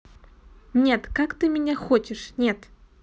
нет как ты меня хочешь нет